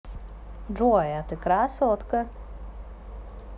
джой а ты красотка